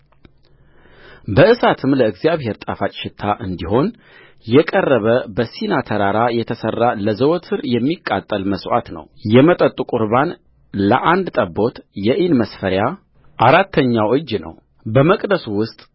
በእሳት ለእግዚአብሔር ጣፋጭ ሽታ እንዲሆን የቀረበ በሲና ተራራ የተሠራ ለዘወትር የሚቃጠል መሥዋዕት ነውየመጠጡ ቍርባን ለአንድ ጠቦት የኢን መስፈሪያ አራተኛው እጅ ነው በመቅደሱ ውስጥ